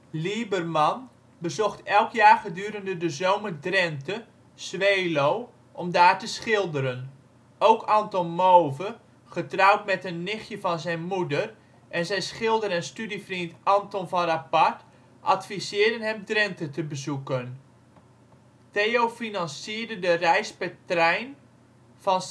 Liebermann zag. Liebermann bezocht die elk jaar gedurende de zomer Drenthe (Zweeloo) ging om daar te schilderen. Ook Anton Mauve (getrouwd met een nichtje van zijn moeder) en zijn van schilder - en studievriend Anthon van Rappard adviseerden hem Drenthe te bezoeken. Theo financierde de reis per trein van